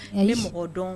Ni mɔgɔ dɔn